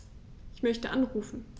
Ich möchte anrufen.